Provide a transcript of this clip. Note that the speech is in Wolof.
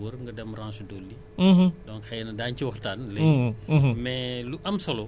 demal dans la commune de kër Momar Sarr ak yu ko wër nga dem Ranch Dolli